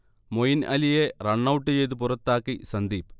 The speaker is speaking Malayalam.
മോയിൻ അലിയെ റണ്ണൌട്ട് ചെയ്ത് പുറത്താക്കി സന്ദീപ്